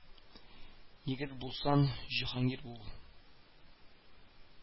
Егет булсаң, Җиһангир бул